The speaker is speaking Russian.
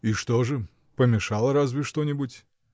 — И что же, помешало разве что-нибудь?